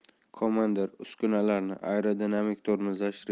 komandir uskunalarni aerodinamik tormozlash